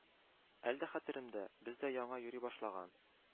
Әле дә хәтеремдә: без дә, яңа йөри башлаган